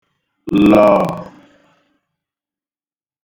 -lọ